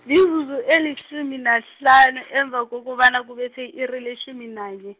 mizuzu elitjhumi nahlanu emva kokobana kubethe i-iri letjhumi nanye.